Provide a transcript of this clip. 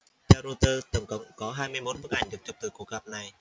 theo reuters tổng cộng có hai mươi mốt bức ảnh được chụp từ cuộc gặp này